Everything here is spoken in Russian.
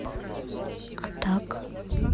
а так